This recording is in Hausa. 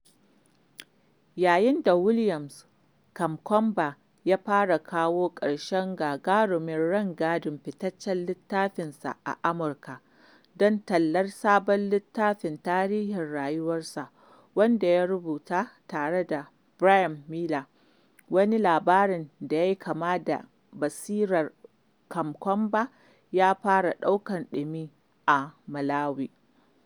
Yayin da William Kamkwamba ya fara kawo ƙarshen gagarumin rangadin fitaccen littafin sa a Amurka, don tallata sabon littafin tarihin rayuwarsa, wanda ya rubuta tare da Bryan Mealer, wani labarin da yayi kama da basirar Kamkwamba ya fara ɗaukar ɗimi a Malawi.